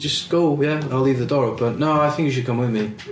Just go yeah I'll leave the door open. No, I think you should come with me.